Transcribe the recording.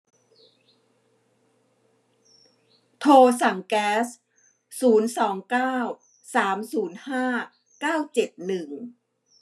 โทรสั่งแก๊สศูนย์สองเก้าสามศูนย์ห้าเก้าเจ็ดหนึ่ง